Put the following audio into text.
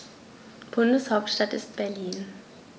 Bundeshauptstadt ist Berlin.